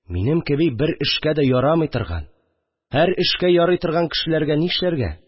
Минем кеби бер эшкә дә ярамый торган, һәр эшкә ярый торган кешеләргә нишләргә